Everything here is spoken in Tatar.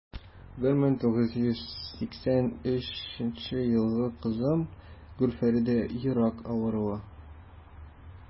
1963 елгы кызым гөлфирәдә йөрәк авыруы.